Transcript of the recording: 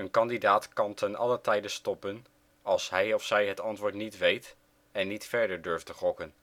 kandidaat kan te allen tijde stoppen als hij het antwoord niet weet en niet verder durft te gokken